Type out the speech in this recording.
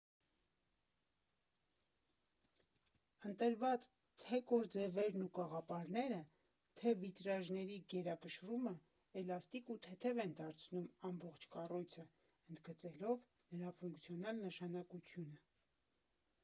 Ընտրված թե՛ կոր ձևերն ու կաղապարները, թե՛ վիտրաժների գերակշռումը էլաստիկ ու թեթև են դարձնում ամբողջ կառույցը՝ ընդգծելով նրա ֆունկցիոնալ նշանակութունը։